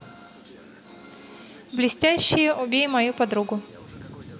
блестящие убей мою подругу